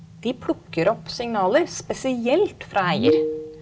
de plukker opp signaler spesielt fra eier.